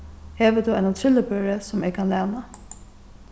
hevur tú eina trillubøru sum eg kann læna